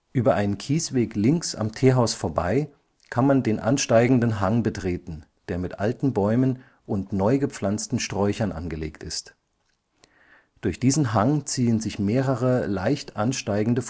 Über einen Kiesweg links am Teehaus vorbei kann man den ansteigenden Hang betreten, der mit alten Bäumen und neu gepflanzten Sträuchern angelegt ist. Durch diesen Hang ziehen sich mehrere leicht ansteigende